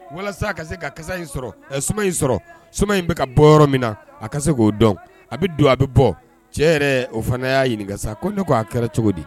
Walasa ka se ka in sɔrɔ ɛ sumaman in sɔrɔ soman in bɛ ka bɔ yɔrɔ min na a ka se k'o dɔn a bɛ don a bɛ bɔ cɛ yɛrɛ o fana y'a ɲininkaka sa ko ne k ko' a kɛra cogo di